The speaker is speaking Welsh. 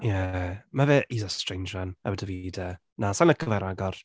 Ie. Mae fe, he's a strange one, our Davide. Na, sa i’n licio fe rhagor.